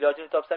ilojini topsam